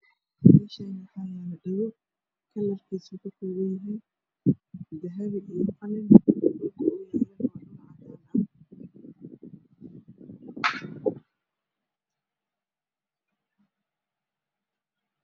Meeshaan waxaa yaalo dhago kalarkiisuna uu yahay dahabi iyo qalin.